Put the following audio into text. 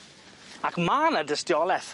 Ac ma' 'na dystioleth.